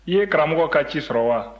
i ye karamɔgɔ ka ci sɔrɔ wa